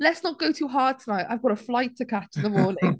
Let's not go too hard tonight, I've got a flight to catch in the morning.